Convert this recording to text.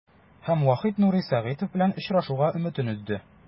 Һәм Вахит Нури Сагитов белән очрашуга өметен өзде.